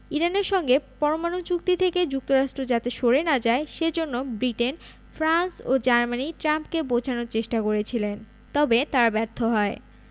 ইরানের সঙ্গে পরমাণু চুক্তি থেকে যুক্তরাষ্ট্র যাতে সরে না যায় সে জন্য ব্রিটেন ফ্রান্স ও জার্মানি ট্রাম্পকে বোঝানোর চেষ্টা করছিলেন তবে তারা ব্যর্থ হয়